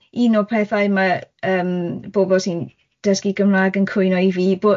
un o pethau ma' yym bobl sy'n dysgu Cymraeg yn cwyno i fi bo'